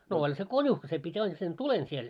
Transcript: no oli se konuhki se piti aina sen tulen siellä